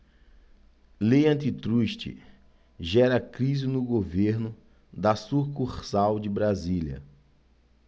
lei antitruste gera crise no governo da sucursal de brasília